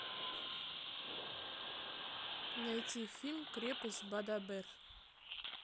найти фильм крепость бадабер